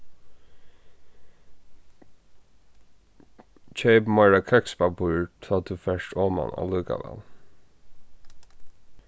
keyp meira køkspappír tá tú fert oman allíkavæl